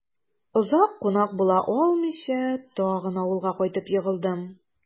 Озак кунак була алмыйча, тагын авылга кайтып егылдым...